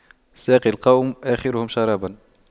ساقي القوم آخرهم شراباً